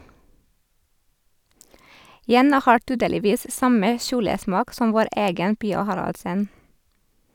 Jenna har tydeligvis samme kjolesmak som vår egen Pia Haraldsen.